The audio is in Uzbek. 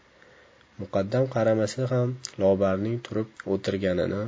muqaddam qaramasa ham lobarning turib o'tirganini